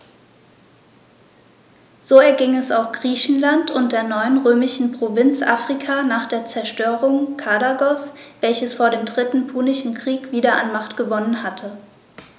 So erging es auch Griechenland und der neuen römischen Provinz Afrika nach der Zerstörung Karthagos, welches vor dem Dritten Punischen Krieg wieder an Macht gewonnen hatte.